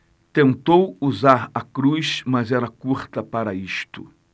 tentou usar a cruz mas era curta para isto